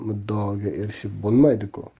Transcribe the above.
muddaoga erishib bo'lmaydi ku